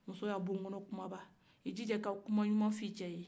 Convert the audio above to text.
muso ka bonkɔnɔkumaba i jija e ka kumaɲuma fɔ e cɛye